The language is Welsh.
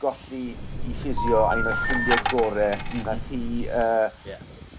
golli 'i physio a un o'i ffrindie gore. M-hm. Nath hi yy... Ie.